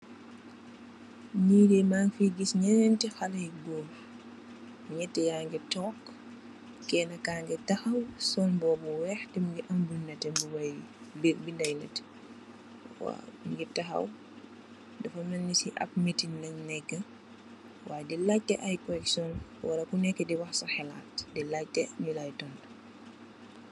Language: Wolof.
Nyide mangfi giss nyenenti khaleh yu goor, nit yangi tok, kenen kangi takhaw sol mboba bu weex ta mungi am binda yu neteh. Dafa melni ci ap meeting lañ neka, waw di lache ay question, wala kuneka di wah sa halat, di lache nyuly tontu.